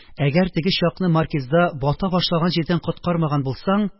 Әгәр теге чакны Маркизда бата башлаган җирдән коткармаган булсаң